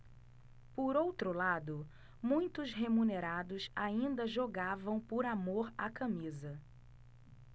por outro lado muitos remunerados ainda jogavam por amor à camisa